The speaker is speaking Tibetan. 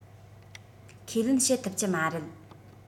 ཁས ལེན བྱེད ཐུབ ཀྱི མ རེད